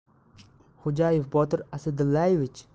xo'jayev botir asadillayevich